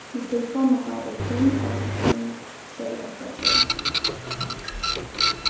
mítt telefonnummar er fimm eitt fimm sjey átta tvey